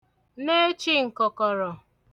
nechīǹkọ̀kọ̀rọ̀